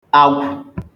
agwụ̀